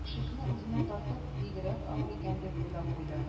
Ишекне үзенә тартып: «Бигрәк авыр икән...», - дип уйлап куйды